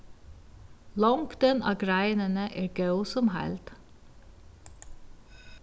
longdin á greinini er góð sum heild